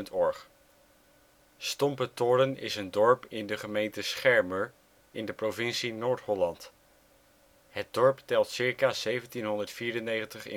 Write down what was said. OL Stompetoren Plaats in Nederland Situering Provincie Noord-Holland Gemeente Schermer Coördinaten 52° 37′ NB, 4° 49′ OL Algemeen Inwoners (1 januari 2010) 1794 Detailkaart Locatie in de gemeente Portaal Nederland Stompetoren is een dorp in de gemeente Schermer, in de provincie Noord-Holland. Het dorp telt ca. 1794 inwoners